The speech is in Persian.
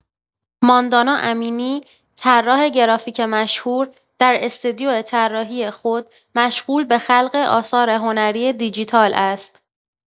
ماندانا امینی، طراح گرافیک مشهور، در استودیو طراحی خود مشغول به خلق آثار هنری دیجیتال است.